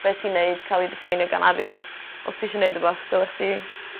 beth ti'n neud ca'l 'i deffeinio gan arian. Os ti isio neud wbath dyle chdi